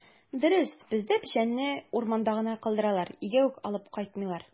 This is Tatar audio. Дөрес, бездә печәнне урманда гына калдыралар, өйгә үк алып кайтмыйлар.